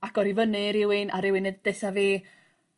agor i fyny i rywun a rywun detha fi